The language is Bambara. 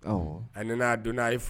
Awɔ. A yɛlɛnna, a donna, a ye f